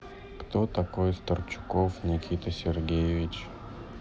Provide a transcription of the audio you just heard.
кто такой старчуков никита сергеевич